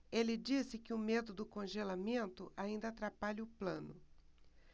ele disse que o medo do congelamento ainda atrapalha o plano